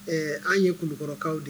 Ɛ an ye kulukɔrɔkaw de ye